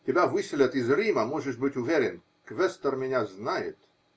Тебя выселят из Рима, можешь быть уверен. Квестор меня знает!